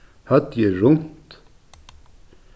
høvdið er runt